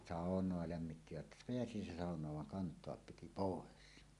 saunaa lämmittivät pääsi se saunaan vaan kantaa piti pois